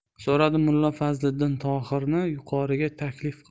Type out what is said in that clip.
so'radi mulla fazliddin tohirni yuqoriga taklif qilib